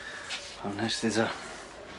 Pam wnest ti ta?